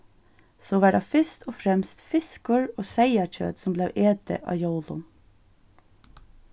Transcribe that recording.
so var tað fyrst og fremst fiskur og seyðakjøt sum bleiv etið á jólum